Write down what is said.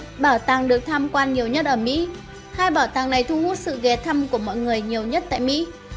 bảo tàng được tham quan nhiều nhất ở mỹ bảo tàng này thu hút sự ghé thăm của mọi người nhiều nhất tại mỹ